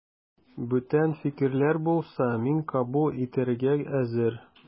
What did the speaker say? Бүтән фикерләр булса, мин кабул итәргә әзер.